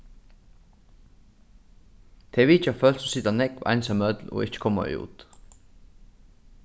tey vitja fólk sum sita nógv einsamøll og ikki koma út